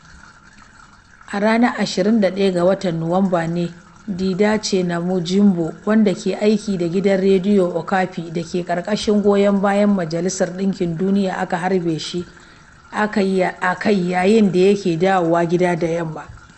A ranar 21 ga watan Nuwamba ne, Didace Namujimbo, wanda ke aiki da gidan Rediyo Okapi da ke ƙarƙashin goyon bayan Majalisar Ɗinkin Duniya, aka harbe shi a kai yayin da yake dawowa gida da yamma.